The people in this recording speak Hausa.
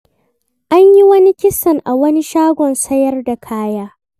An yi wani kisan an wani shagon sayar da kaya.